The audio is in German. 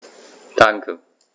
Danke.